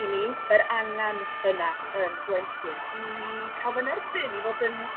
I mi yr angan yna yn blentyn i ca'l fy nerbyn i fod yn